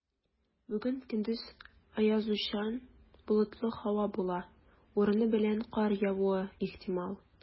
Бүген көндез аязучан болытлы һава була, урыны белән кар явуы ихтимал.